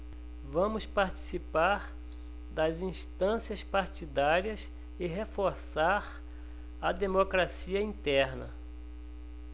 vamos participar das instâncias partidárias e reforçar a democracia interna